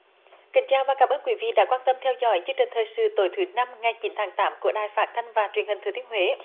kính chào và cảm ơn quý vị đã quan tâm theo dõi chương trình thời sự tối thứ năm ngày chín tháng tám của đài phát thanh và truyền hình thừa thiên huế